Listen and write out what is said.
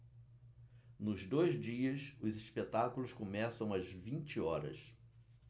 nos dois dias os espetáculos começam às vinte horas